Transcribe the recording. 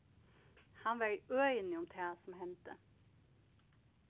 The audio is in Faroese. hann var í øðini um tað sum hendi